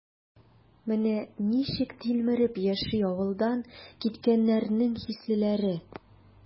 Менә ничек тилмереп яши авылдан киткәннәрнең хислеләре?